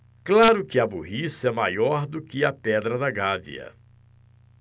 claro que a burrice é maior do que a pedra da gávea